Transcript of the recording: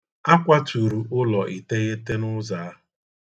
A kwaturu ulọ iteghete n'ụzọ ahu.